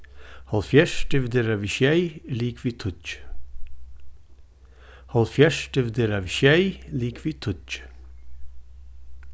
hálvfjerðs dividerað við sjey er ligvið tíggju hálvfjerðs dividerað við sjey er ligvið tíggju